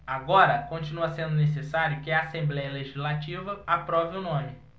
agora continua sendo necessário que a assembléia legislativa aprove o nome